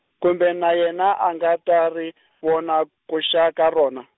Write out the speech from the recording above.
kumbe na yena a nga ta ri vona, ku xa ka rona.